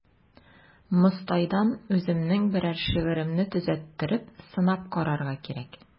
Мостайдан үземнең берәр шигыремне төзәттереп сынап карарга кирәк.